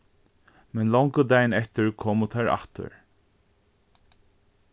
men longu dagin eftir komu teir aftur